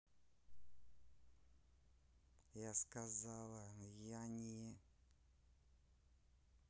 я сказала я не